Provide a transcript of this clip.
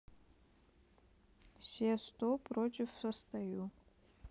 ce сто против состою